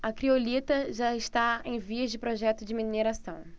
a criolita já está em vias de projeto de mineração